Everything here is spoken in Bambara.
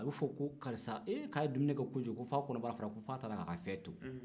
a bɛ fɔ ko karisa ee k'a ye dumuni kɛ kojugu f'a kɔnɔbara fara f'a taara k'a ka fɛn to